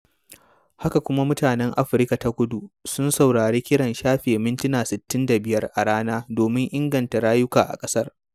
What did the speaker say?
Haka kuma, mutanen Afirka ta Kudu sun saurari kiran shafe minti 65 a rana domin inganta rayuka a ƙasar.